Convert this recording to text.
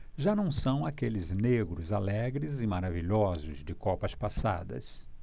já não são aqueles negros alegres e maravilhosos de copas passadas